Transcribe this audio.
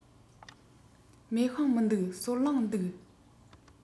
མེ ཤིང མི འདུག སོལ རླངས འདུག